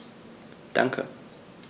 Danke.